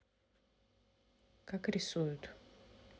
как рисуют